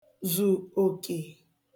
zù òkè